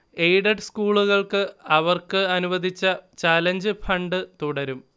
aided സ്കൂളുകൾക്ക് അവർക്ക് അനുവദിച്ച ചലഞ്ച് ഫണ്ട് തുടരും